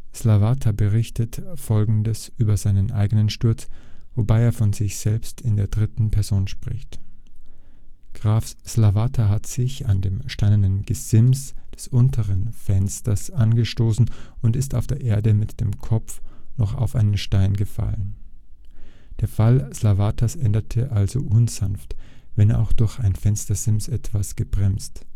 Slavata berichtet Folgendes über seinen eigenen Sturz, wobei er von sich selbst in der dritten Person spricht: Graf Slavata hat sich an dem steinernen Gesims des untersten Fensters angestoßen und ist auf der Erde mit dem Kopf noch auf einen Stein gefallen. Der Fall Slavatas endete also unsanft, wenn auch durch ein Fenstersims etwas gebremst